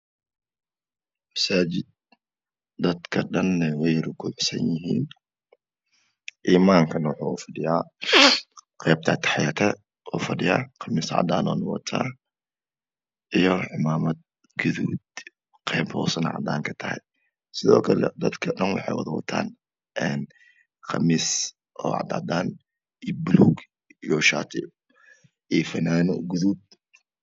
Misaajid dadka dhana wey rukucsan yihin imamkana wu fadhiya qeybta ataxiyadka ayu u fadhiya khamis cadana ayu wata iyo cimamad gudud qeyb hosahana cadan ka tahy sidokle dadka dhana wxay watan khamiis cada cadaan iyo baluug iyo shaatiyo iyo funano gudud